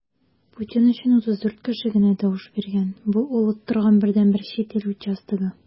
Путин өчен 34 кеше генә тавыш биргән - бу ул оттырган бердәнбер чит ил участогы.